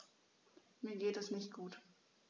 Mir geht es nicht gut.